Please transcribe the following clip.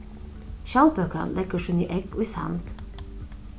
skjaldbøkan leggur síni egg í sand